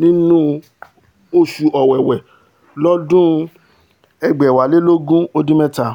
nínú oṣù Ọ̀wẹ̀wẹ̀ lọ́dún 2017.